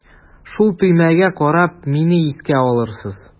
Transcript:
Шул төймәгә карап мине искә алырсыз.